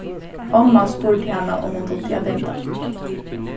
omman spurdi hana um hon dugdi at binda